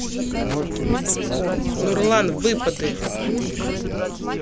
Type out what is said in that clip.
нурлан выпады